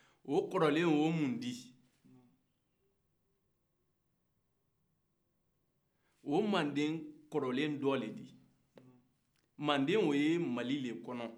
o kɔrɔlen o ye mun ye o ye manden kɔrɔlen dɔ de ye manen o bɛ mali dɛ kɔnɔ